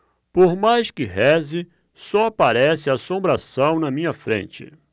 por mais que reze só aparece assombração na minha frente